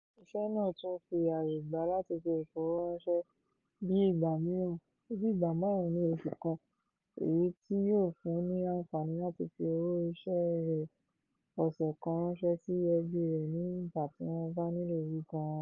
Iṣẹ́ náà tún fi àyè gbà á láti ṣe ìfowóránṣẹ́ - bíi ìgbà márùn-ún ní oṣù kan - èyí tí yóò fún ní àǹfààní láti fi owó iṣẹ́ rẹ̀ ọ̀sẹ̀ kan ránṣẹ́ sí àwọn ẹbí rẹ̀ ní ìgbà tí wọ́n bá nílò owó náà gan-an.